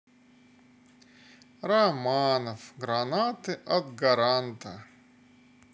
романов гранаты от гаранта